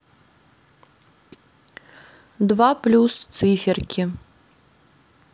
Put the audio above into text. два плюс циферки